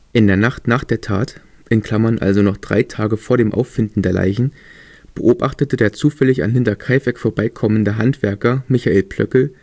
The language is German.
In der Nacht nach der Tat (also noch drei Tage vor dem Auffinden der Leichen) beobachtete der zufällig an Hinterkaifeck vorbeikommende Handwerker Michael Plöckl